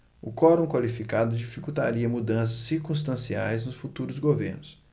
o quorum qualificado dificultaria mudanças circunstanciais nos futuros governos